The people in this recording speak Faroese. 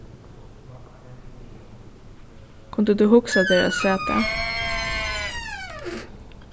kundi tú hugsað tær at sæð tað